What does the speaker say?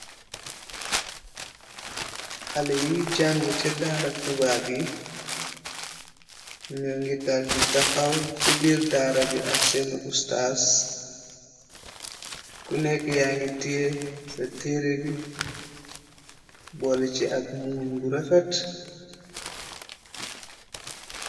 Xalé yi jàng ca daara tuba bi nu ngi tal di taxaw ci biir daara bi ak seeni ustas ku nekk ya ngi teey ca teere bi bolle ci ak muuñ bu rafet.